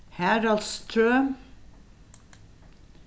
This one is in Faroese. haraldstrøð